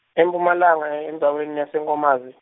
eMpumalanga endzaweni yaseNkomazi.